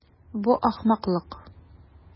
Бу ахмаклык.